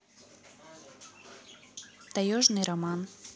таежный роман